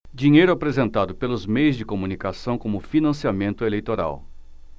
dinheiro apresentado pelos meios de comunicação como financiamento eleitoral